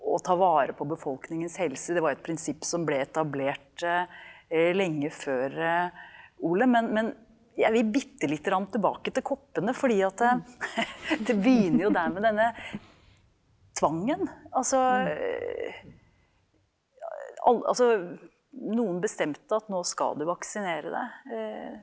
å ta vare på befolkningens helse, det var et prinsipp som ble etablert lenge før Ole, men men jeg vil bitte lite grann tilbake til koppene fordi at det begynner jo der med denne tvangen, altså altså noen bestemte at nå skal du vaksinere deg .